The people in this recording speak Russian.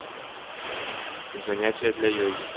занятия для йоги